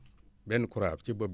benn croix ci bopp bi nii